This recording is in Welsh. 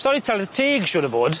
Stori tylwyth teg siŵr o fod.